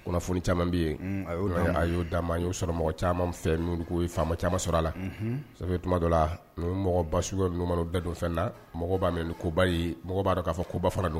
Kunnafoni caman bɛ yen a a y'o' ma y'o sɔrɔ mɔgɔ caman fɛn minnu ye faama caman sɔrɔ a la sabu tuma dɔ la mɔgɔbasiw bɛɛ don fɛn na mɔgɔ b'a mɛ koba mɔgɔ b'a don'a koba fara don